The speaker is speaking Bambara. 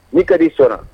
Ne ka di sara